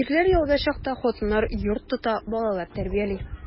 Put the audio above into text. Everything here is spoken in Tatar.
Ирләр яуда чакта хатыннар йорт тота, бала тәрбияли.